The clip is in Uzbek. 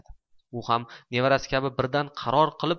u ham nevarasi kabi birdan qaror qilib